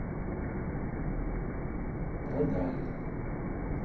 продали